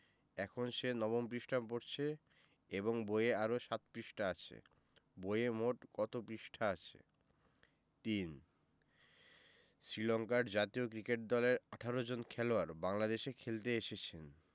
এখন সে নবম পৃষ্ঠা পড়ছে এবং বইয়ে আরও ৭ পৃষ্ঠা আছে বইয়ে মোট কত পৃষ্ঠা আছে ৩ শ্রীলংকার জাতীয় ক্রিকেট দলের ১৮ জন খেলোয়াড় বাংলাদেশে খেলতে এসেছেন